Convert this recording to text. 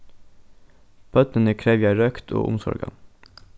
børnini krevja røkt og umsorgan